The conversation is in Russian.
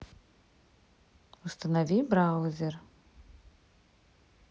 установи браузер